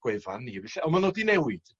gwefan ni felly on' ma' n'w 'di newid.